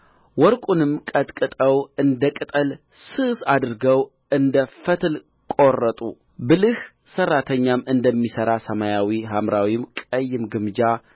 ወርቁንም ቀጥቅጠው እንደ ቅጠል ስስ አድርገው እንደ ፈትል ቈረጡ ብልህ ሠራተኛም እንደሚሠራ ሰማያዊ ሐምራዊም ቀይም ግምጃ